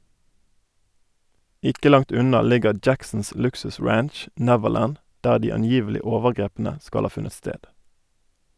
Ikke langt unna ligger Jacksons luksusranch Neverland, der de angivelige overgrepene skal ha funnet sted.